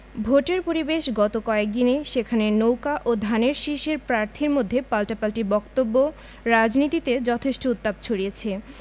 ভোটের পরিবেশ নিয়ে গত কয়েক দিনে সেখানে নৌকা ও ধানের শীষের প্রার্থীর মধ্যে পাল্টাপাল্টি বক্তব্য রাজনীতিতে যথেষ্ট উত্তাপ ছড়িয়েছে